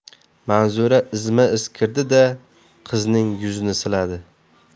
manzura izma iz kirdi da qizining yuzini siladi